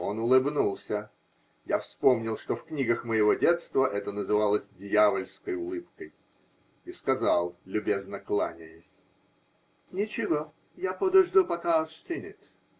Он улыбнулся, -- я вспомнил, что в книгах моего детства это называлось "дьявольской улыбкой" -- и сказал, любезно кланяясь: -- Ничего, я подожду, пока остынет.